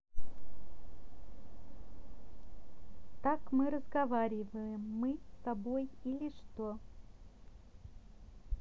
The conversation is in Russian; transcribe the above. так мы разговариваем мы с тобой или что